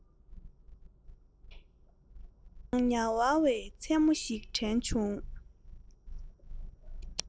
ཟླ བ ཉ གང བའི མཚན མོ ཞིག དྲན བྱུང